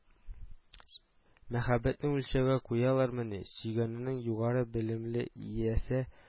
Мәхәббәтне үлчәүгә куялармыни, сөйгәнеңнең югары белемле яисә